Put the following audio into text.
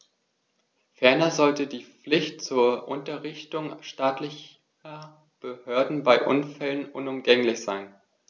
Ferner sollte die Pflicht zur Unterrichtung staatlicher Behörden bei Unfällen unumgänglich sein.